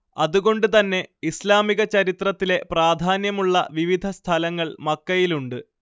അത് കൊണ്ട് തന്നെ ഇസ്‌ലാമിക ചരിത്രത്തിലെ പ്രാധാന്യമുള്ള വിവിധ സ്ഥലങ്ങൾ മക്കയിലുണ്ട്